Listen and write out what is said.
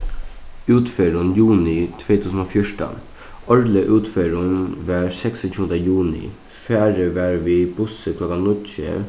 útferðin juni tvey túsund og fjúrtan árliga útferðin var seksogtjúgunda juni farið varð við bussi klokkan níggju